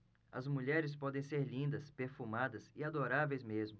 as mulheres podem ser lindas perfumadas e adoráveis mesmo